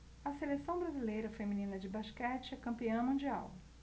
a seleção brasileira feminina de basquete é campeã mundial